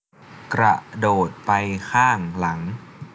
กระโดดไปข้างหลัง